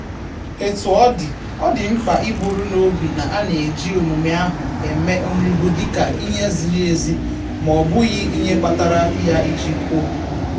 Etu ọ dị, ọ dị mkpa iburu n'obi na a na-eji omume ahụ eme nrigbu dịka ihe ziri ezi ma ọ bụghị ihe kpatara ya iji kwuo.